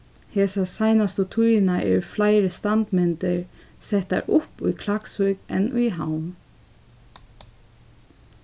hesa seinastu tíðina eru fleiri standmyndir settar upp í klaksvík enn í havn